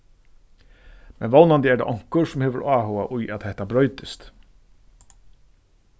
men vónandi er tað onkur sum hevur áhuga í at hetta broytist